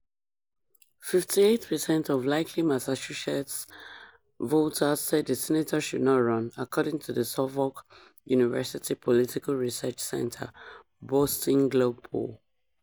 Fifty-eight percent of "likely" Massachusetts voters said the senator should not run, according to the Suffolk University Political Research Center/Boston Globe poll.